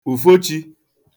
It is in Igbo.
ùfochī